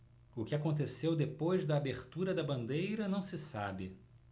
o que aconteceu depois da abertura da bandeira não se sabe